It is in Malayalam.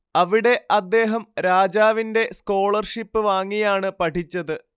അവിടെ അദ്ദേഹം രാജാവിന്റെ സ്കോളർഷിപ്പ് വാങ്ങിയാണ് പഠിച്ചത്